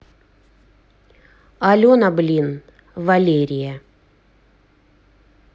алена блин валерия